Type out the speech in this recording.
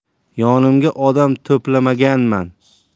yonimga odam to'plamaganman